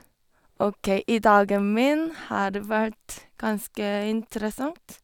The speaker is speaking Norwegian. OK, i dagen min har vært ganske interessant.